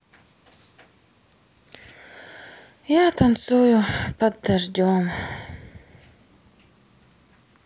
я танцую под дождем